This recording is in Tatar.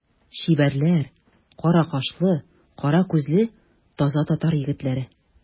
Чибәрләр, кара кашлы, кара күзле таза татар егетләре.